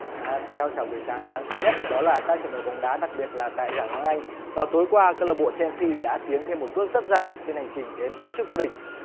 ờ thể thao chào buổi sáng đáng chú ý nhất đó là các trận đấu bóng đá đặc biệt là tại giải ngoại hạng anh vào tối qua câu lạc bộ chen si đã tiến thêm một bước rất dài trên hành trình đến với chức vô địch